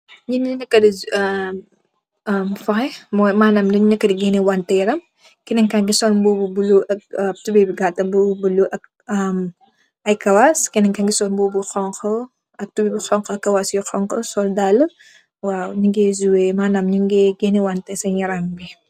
Nyii aye takgaat katti yaram lange kene ki mougui sol aye kawace kenen ki mougui sol yerre wou bollou ak toubey bou gatta